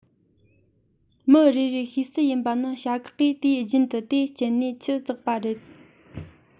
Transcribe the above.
མི རེ རེས ཤེས གསལ ཡིན པ ནི བྱ གག གིས དུས རྒྱུན དུ དེ སྤྱད ནས ཆུ བཙགས པ དེ རེད